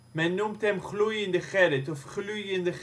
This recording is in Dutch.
Men noemt hem Gloeiende Gerrit of Glüende Gerrit